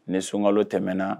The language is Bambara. Ni sunka tɛmɛna